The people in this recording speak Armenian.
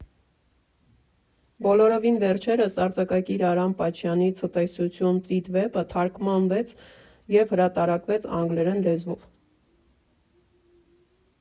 Բոլորովին վերջերս արձակագիր Արամ Պաչյանի «Ցտեսություն, Ծիտ» վեպը թարգմանվեց և հրատարկվեց անգլերեն լեզվով։